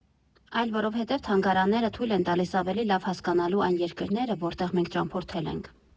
Այլ որովհետև թանգարանները թույլ են տալիս ավելի լավ հասկանալու այն երկրները, որտեղ մենք ճամփորդել ենք։